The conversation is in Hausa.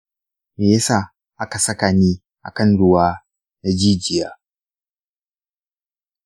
me yasa aka saka ni a kan ruwa na jijiya?